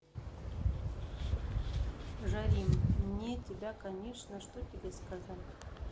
жарим мне тебя конечно что тебе сказать